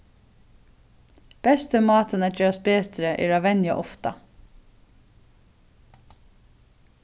besti mátin at gerast betri er at venja ofta